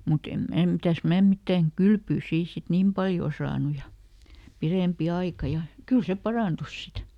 mutta en minä mitäs minä mitään kylpyä siinä sitten niin paljon saanut ja pidempi aika ja kyllä se parantui sitten